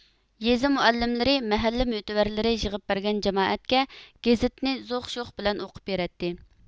يېزا مۇئەللىملىرى مەھەللە مۆتىۋەرلىرى يىغىپ بەرگەن جامائەتكە گېزىتنى زوق شوق بىلەن ئوقۇپ بېرەتتى